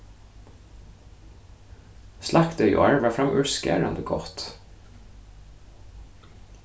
slaktið í ár var framúrskarandi gott